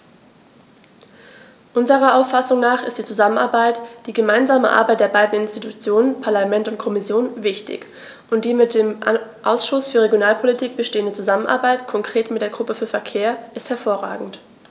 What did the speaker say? Unserer Auffassung nach ist die Zusammenarbeit, die gemeinsame Arbeit der beiden Institutionen - Parlament und Kommission - wichtig, und die mit dem Ausschuss für Regionalpolitik bestehende Zusammenarbeit, konkret mit der Gruppe für Verkehr, ist hervorragend.